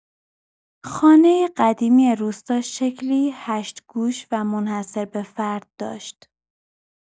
خانۀ قدیمی روستا شکلی هشت‌گوش و منحصربه‌فرد داشت.